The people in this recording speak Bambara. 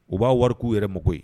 U b'a wari k'u yɛrɛ mago ye